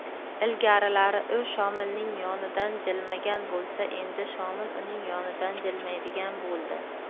ilgarilari u shomilning yonidan jilmagan bo'lsa endi shomil uning yonidan jilmaydigan bo'ldi